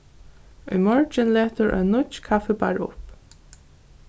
í morgin letur ein nýggj kaffibarr upp